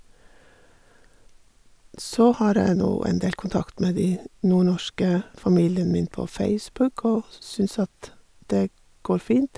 Så har jeg nå en del kontakt med de nordnorske familien min på Facebook, og s synes at det går fint.